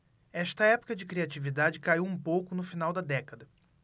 esta época de criatividade caiu um pouco no final da década